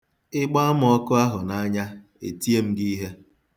Ị gbaa m ọkụ ahụ n'anya, etie m gị ihe.